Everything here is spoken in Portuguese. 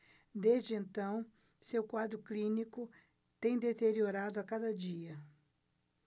desde então seu quadro clínico tem deteriorado a cada dia